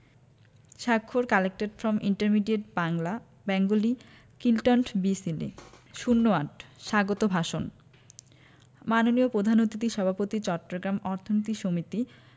স্বাক্ষর collected from intermediate Bangla Bengali content B সিলি ০৮ স্বাগত ভাষণ মাননীয় ধান অতিথি সভাপতি চট্টগ্রাম অর্থনীতি সমিতি